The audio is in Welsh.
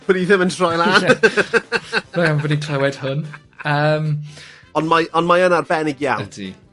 bo ddi ddim yn troi lan fod 'i'n clywed hwn. Yym. Ond mae ond mae yn arbennig iawn. Ydi.